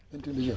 intelligente